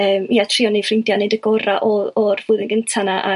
ymm ia trio neu' ffrindia' neud y gora' o, o'r flwydd yn gynta' 'na